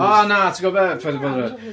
O na, ti gwbod be, paid â boddran.